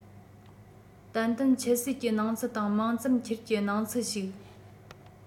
ཏན ཏན ཆུད ཟོས ཀྱི སྣང ཚུལ དང མང ཙམ ཁྱེར ཀྱི སྣང ཚུལ ཞིག